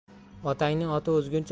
otangning oti o'zguncha